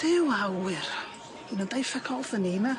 Duw a wyr. Ma' nw deu' ffyc all 'thwn ni 'my.